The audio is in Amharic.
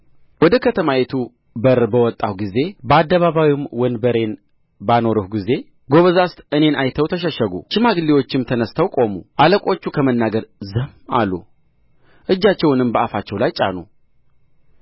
ወደ ከተማይቱ በር በወጣሁ ጊዜ በአደባባዩም ወንበሬን ባኖርሁ ጊዜ ጐበዛዝት እኔን አይተው ተሸሸጉ ሽማግሌዎችም ተነሥተው ቆሙ አለቆቹ ከመናገር ዝም አሉ እጃቸውንም በአፋቸው ላይ ጫኑ